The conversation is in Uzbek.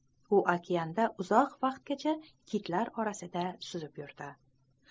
u okeanda uzoq vaqtgacha kitlar orasida suzib yurdi